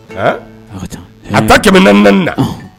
A ta kɛmɛ n n naani da